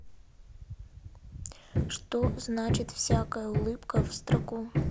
что значит всякая улыбка в строку